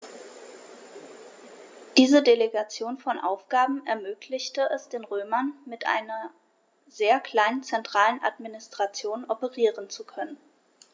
Diese Delegation von Aufgaben ermöglichte es den Römern, mit einer sehr kleinen zentralen Administration operieren zu können.